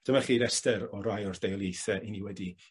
Dyma chi rester o rai o'r deuoliaethe 'yn ni wedi